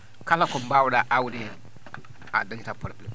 kala ko mbaawɗa aawde heen a dañataa probléme